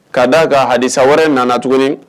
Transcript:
Ka d'a kan, Hadisa wɛrɛ nana tuguni